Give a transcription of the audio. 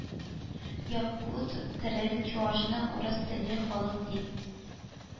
Якут, карел, чуашны «урыс телле халык» дип